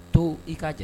To i k'a jɛ